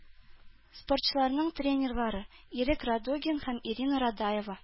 Спортчыларның тренерлары - Ирек Радугин һәм Ирина Радаева.